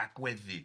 Agweddi.